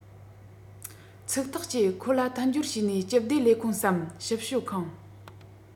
ཚིག ཐག བཅད ཁོ ལ མཐུན སྦྱོར བྱས ནས སྤྱི བདེ ལས ཁུངས སམ ཞིབ དཔྱོད ཁང